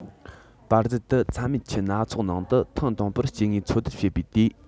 པར ཙེར དུ ཚྭ མེད ཆུ སྣ ཚོགས ནང དུ ཐེངས དང པོར སྐྱེ དངོས འཚོལ སྡུད བྱེད པའི དུས